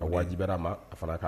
O waajibiyar'a ma o fana ka